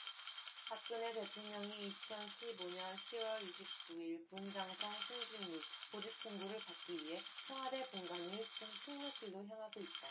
박근혜 대통령이 이천 십 오 년 시 월 이십 구 일 군 장성 승진 및 보직신고를 받기 위해 청와대 본관 일 층 충무실로 향하고 있다